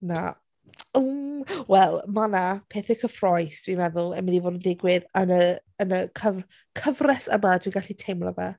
Na. Ww wel ma' na pethau cyffrous dwi'n meddwl yn mynd i fod yn digwydd yn y yn y cyf- cyfres yma dwi'n gallu teimlo fe.